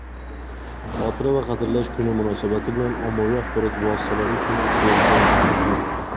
xotira va qadrlash kuni munosabati bilan ommaviy axborot vositalari uchun berilgan intervyu